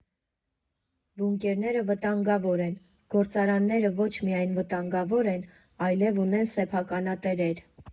Բունկերները վտանգավոր են, գործարանները ո՛չ միայն վտանգավոր են, այլև ունեն սեփականատերեր։